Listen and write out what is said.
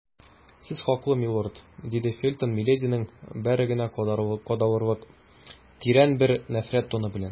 Сез хаклы, милорд, - диде Фельтон милединың бәгыренә кадалырлык тирән бер нәфрәт тоны белән.